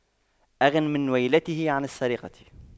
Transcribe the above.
أغن من وليته عن السرقة